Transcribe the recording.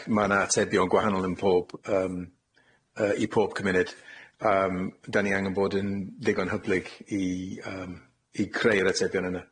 Ag ma' na atebion gwahanol yn pob yym yy i pob cymuned yym 'dan ni angen bod yn ddigon hyblyg i yym i creu'r atebion yna.